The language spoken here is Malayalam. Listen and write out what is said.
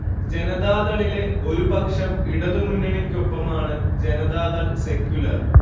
ജനതാദളിലെ ഒരു പക്ഷം ഇടതു മുന്നണിക്കൊപ്പമാണ് ജനതാദൾ സെക്യുലർ